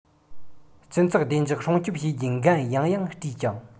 སྤྱི ཚོགས བདེ འཇགས སྲུང སྐྱོབ བྱེད རྒྱུའི འགན ཡང ཡང དཀྲིས ཀྱང